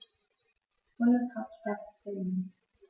Bundeshauptstadt ist Berlin.